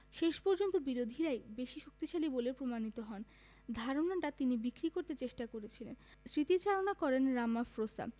শেষ পর্যন্ত বিরোধীরাই বেশি শক্তিশালী বলে প্রমাণিত হন ধারণাটা তিনি বিক্রি করতে চেষ্টা করেছিলেন স্মৃতিচারণা করেন রামাফ্রোসা